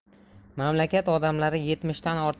mamlakat odamlari yetmishdan